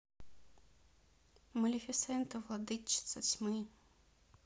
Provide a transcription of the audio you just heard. малефисента владычица тьмы